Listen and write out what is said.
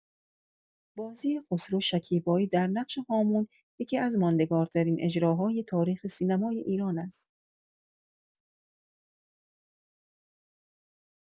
بازی خسرو شکیبایی در نقش‌هامون، یکی‌از ماندگارترین اجراهای تاریخ سینمای ایران است.